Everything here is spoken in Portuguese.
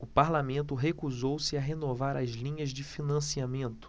o parlamento recusou-se a renovar as linhas de financiamento